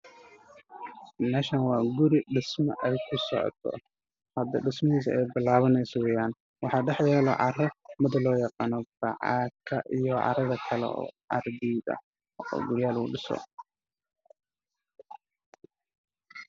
Meeshaan kasocdo oo ciid taalo guri dhismo kasocdo dabaq oo dhisme ayaa ka dambeeya